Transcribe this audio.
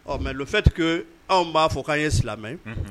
Ɔ mɛ fɛtigi anw b'a fɔ k'an ye silamɛmɛ